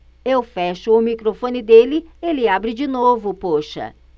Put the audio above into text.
eu fecho o microfone dele ele abre de novo poxa